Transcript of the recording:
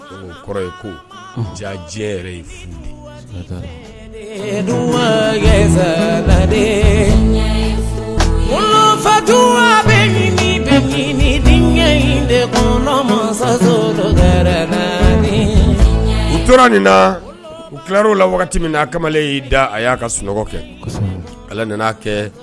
Kɔrɔ ko jajɛ ye ma fatu bɛ bɛ denkɛ le kɔnɔ masa u tora nin na u tilaw la min na a kamalen y'i da a y'a ka sunɔgɔ kɛ ala nana aa kɛ